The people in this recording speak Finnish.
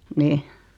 niin